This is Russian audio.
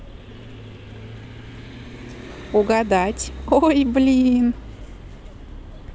угадать ой блин